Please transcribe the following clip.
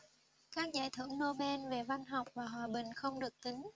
các giải thưởng nobel về văn học và hòa bình không được tính